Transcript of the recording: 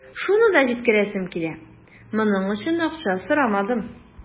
Шуны да җиткерәсем килә: моның өчен акча сорамадым.